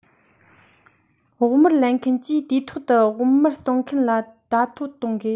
བོགས མར ལེན མཁན གྱིས དུས ཐོག ཏུ བོགས མར གཏོང མཁན ལ བརྡ ཐོ གཏོང དགོས